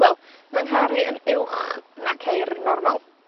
Wel, mae 'nghar i yn uwch na ceir normal.